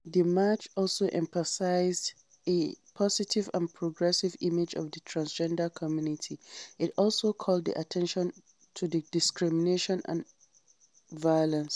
The march also emphasized a positive and progressive image of the transgender community; it also called attention to the discrimination and violence.